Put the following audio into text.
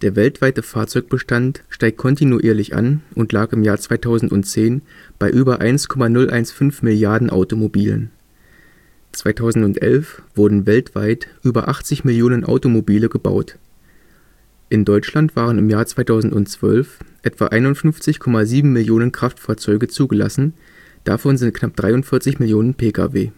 weltweite Fahrzeugbestand steigt kontinuierlich an und lag im Jahr 2010 bei über 1,015 Milliarden Automobilen. 2011 wurden weltweit über 80 Millionen Automobile gebaut. In Deutschland waren im Jahr 2012 etwa 51,7 Millionen Kraftfahrzeuge zugelassen, davon sind knapp 43 Millionen Pkw.